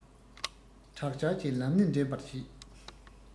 དྲག ཆར གྱི ལམ སྣེ འདྲེན པར བྱེད